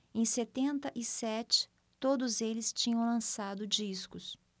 em setenta e sete todos eles tinham lançado discos